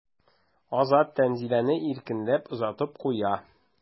Азат Тәнзиләне иркенләп озатып куя.